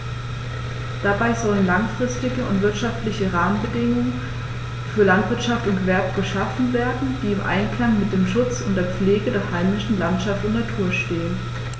Dabei sollen langfristige und wirtschaftliche Rahmenbedingungen für Landwirtschaft und Gewerbe geschaffen werden, die im Einklang mit dem Schutz und der Pflege der heimischen Landschaft und Natur stehen.